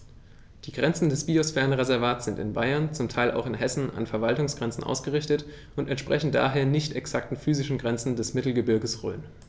Die Grenzen des Biosphärenreservates sind in Bayern, zum Teil auch in Hessen, an Verwaltungsgrenzen ausgerichtet und entsprechen daher nicht exakten physischen Grenzen des Mittelgebirges Rhön.